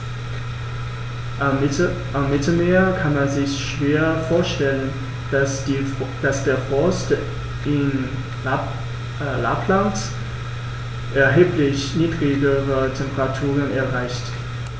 Am Mittelmeer kann man sich schwer vorstellen, dass der Frost in Lappland erheblich niedrigere Temperaturen erreicht.